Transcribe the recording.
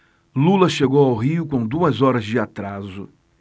lula chegou ao rio com duas horas de atraso